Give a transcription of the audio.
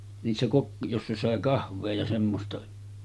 niissä - jossa sai kahvia ja semmoista